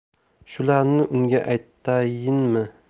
shularni unga aytayinmi